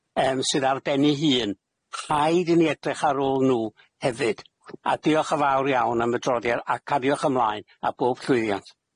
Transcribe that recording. yym sydd ar ben 'i hun. Rhaid i ni edrych ar ôl nw, hefyd. A diolch yn fawr iawn am adroddiad. A cariwch ymlaen, a bob llwyddiant.